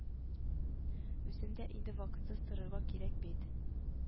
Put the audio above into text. Үзем дә инде вакытсыз торырга кирәк бит